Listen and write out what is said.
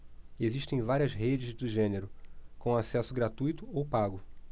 existem várias redes do gênero com acesso gratuito ou pago